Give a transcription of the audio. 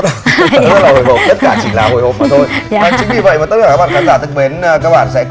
chết rồi tất cả chỉ là hồi hộp mà thôi đấy chính vì vậy mà tất cả các bạn khán giả thân mến các bạn sẽ